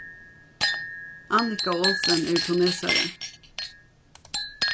annika olsen er tunesari